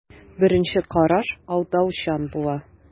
Беренче караш алдаучан була.